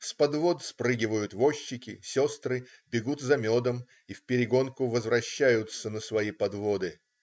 С подвод спрыгивают возчики, сестры, бегут за медом и вперегонку возвращаются на свои подводы.